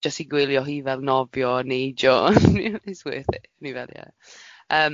Jyst i gwylio hi fel nofio a neidio, it's worth it, fi fel yeah.